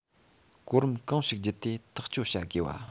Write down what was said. གོ རིམ གང ཞིག བརྒྱུད དེ ཐག གཅོད བྱ དགོས པ